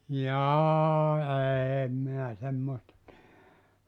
jaa en minä semmoista tiedä